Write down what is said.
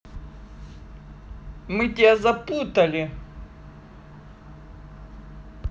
мы тебя запутали